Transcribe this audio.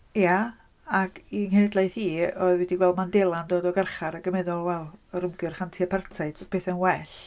Ia ac i nghenedlaeth i oedd wedi gweld Mandela'n dod o garchar ac yn meddwl "wel yr ymgyrch anti apartheid, pethau'n well".